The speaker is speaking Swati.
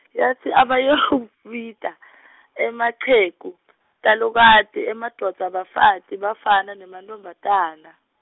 yatsi abayewubita , emachegu , talukati, emadvodza, bafati, bafana nemantfombatana.